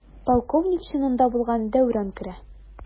Полковник чинында булган Дәүран керә.